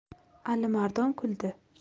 alimardon kuldi